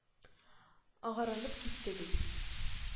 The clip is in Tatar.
Агарынып китте, ди